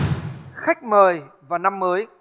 khách mời và năm mới